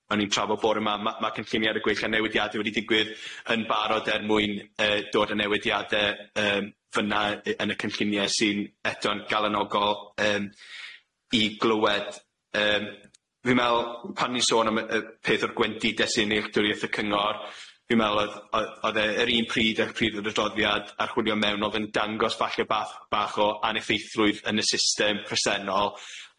On i'n trafod bore 'ma ma' ma' cynllunia ar y gweithle newidiade wedi digwydd yn barod er mwyn yy dod â newidiade yym fyn 'na y- yn y cynllunie sy'n eto'n galanogol, yym i glywed yym fi'n me'wl pan ni'n sôn am y y peth o'r gwendide sy'n nealltwriaeth y cyngor, fi'n me'wl o'dd o- o'dd e yr un pryd a'r pryd o'r adroddiad achwilio mewn o'dd yn dangos falle bach bach o aneffeithlwydd yn y system presennol.